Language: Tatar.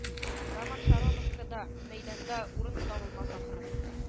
Роман Шароновка да мәйданда урын табылмас, ахры